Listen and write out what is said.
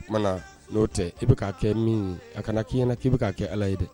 O tuma n'o tɛ i bɛ' kɛ min ye a kana k'i ɲɛna na k'i bɛ k ka kɛ ala ye dɛ